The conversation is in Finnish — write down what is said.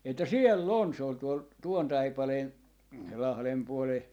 että siellä on se oli tuolla tuon taipaleen lahden puolen